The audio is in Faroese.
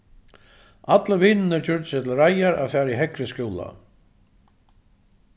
allir vinirnir gjørdu seg til reiðar at fara í hægri skúla